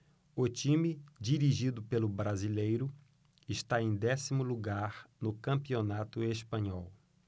o time dirigido pelo brasileiro está em décimo lugar no campeonato espanhol